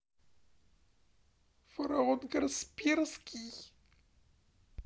фараон касперский